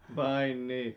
vai niin